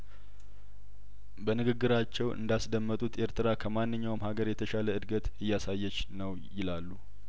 በንግግራቸው እንዳስ ደመጡት ኤርትራ ከማንኛውም ሀገር የተሻለእድገት እያሳ የች ነው ይላሉ